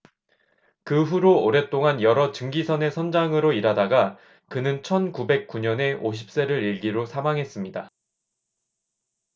그 후로 오랫동안 여러 증기선의 선장으로 일하다가 그는 천 구백 구 년에 오십 세를 일기로 사망했습니다